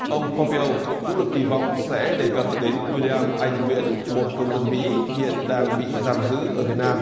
ông pôm piêu cũng được kỳ vọng sẽ đề cập đến guy li am anh nguyễn một công dân mỹ hiện đang bị giam giữ ở việt nam